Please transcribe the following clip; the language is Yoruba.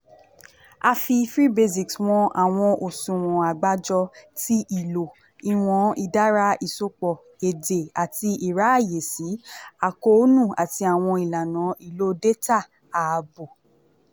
A fi Free Basics wọn àwọn òṣùwọ̀n àgbàjọ ti ìlò, ìwọ̀n ìdára ìsopọ̀, èdè, àti ìráàyèsí, àkóónú, àti àwọn ìlànà ìlò dátà/ààbò.